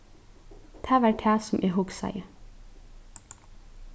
tað var tað sum eg hugsaði